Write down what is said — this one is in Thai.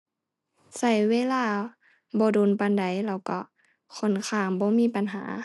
ใช้เวลาบ่โดนปานใด แล้วใช้ค่อนข้างบ่มีปัญหา